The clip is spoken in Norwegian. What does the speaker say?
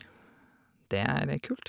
Det er kult.